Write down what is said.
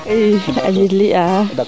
I Aziz Ly axa